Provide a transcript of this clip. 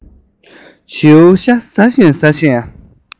བྱིའུ ཤ ཟ བཞིན ཟ བཞིན